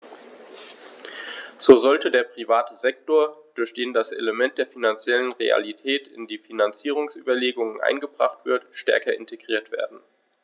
So sollte der private Sektor, durch den das Element der finanziellen Realität in die Finanzierungsüberlegungen eingebracht wird, stärker integriert werden.